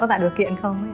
có tạo điều kiện không